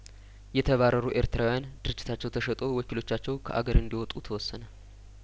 የተባረሩ ኤርትራውያን ድርጅታቸው ተሸጦ ወኪሎቻቸው ከአገር እንዲወጡ ተወሰነ